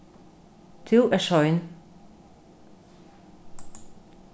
tú ert sein